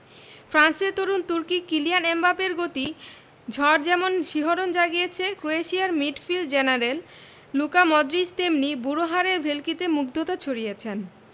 ফ্রান্সের তরুণ তুর্কি কিলিয়ান এমবাপ্পের গতি ঝড় যেমন শিহরণ জাগিয়েছে ক্রোয়েশিয়ার মিডফিল্ড জেনারেল লুকা মডরিচ তেমনি বুড়ো হাড়ের ভেলকিতে মুগ্ধতা ছড়িয়েছেন